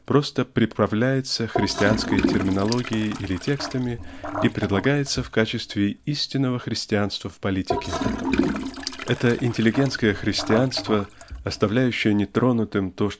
просто приправляется христианской терминологией или текстами и предлагается в качестве истинного христианства в политике. Это интеллигентское христианство оставляющее нетронутым то